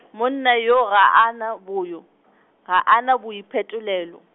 monna yo ga a na boyo , ga a na boiphetolelo.